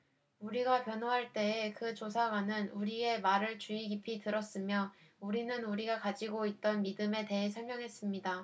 우리가 변호할 때에 그 조사관은 우리의 말을 주의 깊이 들었으며 우리는 우리가 가지고 있던 믿음에 대해 설명했습니다